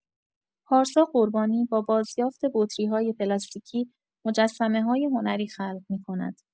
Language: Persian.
پارسا قربانی، با بازیافت بطری‌های پلاستیکی، مجسمه‌های هنری خلق می‌کند.